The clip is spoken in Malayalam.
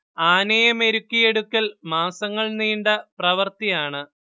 ആനയെ മെരുക്കിയെടുക്കൽ മാസങ്ങൾ നീണ്ട പ്രവൃത്തിയാണ്